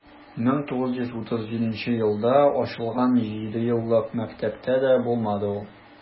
1937 елда ачылган җидееллык мәктәптә дә булмады ул.